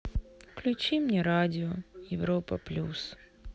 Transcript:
включи мне радио европа плюс